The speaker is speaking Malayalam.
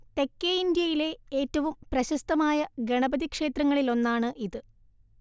തെക്കേ ഇന്ത്യയിലെ ഏറ്റവും പ്രശസ്തമായ ഗണപതി ക്ഷേത്രങ്ങളിൽ ഒന്നാണ് ഇത്